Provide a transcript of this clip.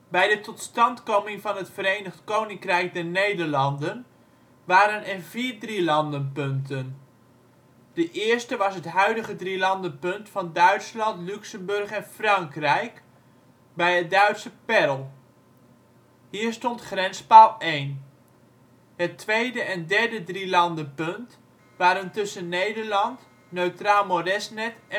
Bij de totstandkoming van het Verenigd Koninkrijk der Nederlanden waren er vier drielandenpunten. De eerste was het huidige drielandenpunt van Duitsland, Luxemburg en Frankrijk bij het Duitse Perl. Hier stond grenspaal 1. Het tweede en derde drielandenpunt waren tussen Nederland, Neutraal Moresnet